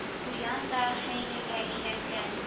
Куян да хәйләгә өйрәнгән